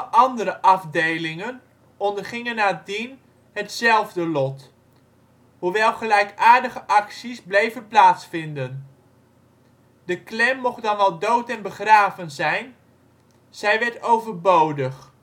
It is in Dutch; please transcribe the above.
andere afdelingen ondergingen nadien hetzelfde lot, hoewel gelijkaardige acties bleven plaatsvinden. De clan mocht dan wel dood en begraven zijn, zij werd overbodig